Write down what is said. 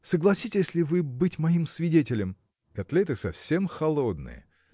– Согласитесь ли вы быть моим свидетелем?. – Котлеты совсем холодные!